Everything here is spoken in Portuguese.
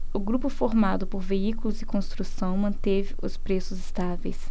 o grupo formado por veículos e construção manteve os preços estáveis